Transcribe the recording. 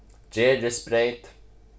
gerðisbreyt